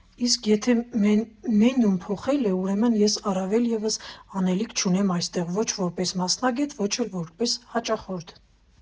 Իսկ եթե մենյուն փոխվել է, ուրեմն ես առավել ևս անելիք չունեմ այնտեղ՝ ոչ որպես մասնագետ, ոչ էլ որպես հաճախորդ։